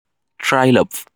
Try love."